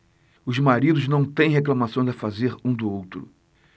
os maridos não têm reclamações a fazer um do outro